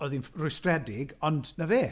Oedd hi'n rwystredig, ond 'na fe.